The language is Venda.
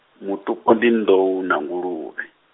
mutupo ndi nḓou na nguluvhe.